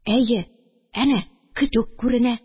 Әйе, әнә көтү күренә.